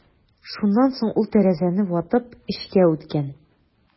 Шуннан соң ул тәрәзәне ватып эчкә үткән.